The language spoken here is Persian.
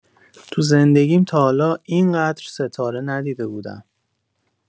تو زندگیم تا حالا اینقدر ستاره ندیده بودم.